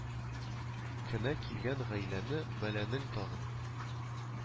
Кенә килгән гаиләне бәланең тагын